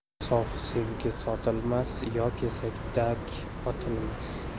sof sevgi sotilmas yo kesakdek otilmas